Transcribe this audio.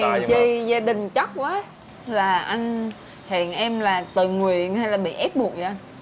hèn chi gia đình chất quá là anh hẹn em là tự nguyện hay là bị ép buộc dậy anh